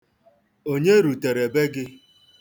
Onye rutere be gị?